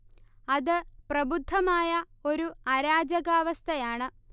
അത് പ്രബുദ്ധമായ ഒരു അരാജകാവസ്ഥയാണ്